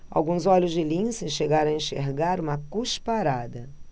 alguns olhos de lince chegaram a enxergar uma cusparada